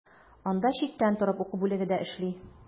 Анда читтән торып уку бүлеге дә эшли.